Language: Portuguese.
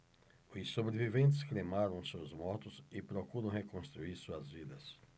os sobreviventes cremaram seus mortos e procuram reconstruir suas vidas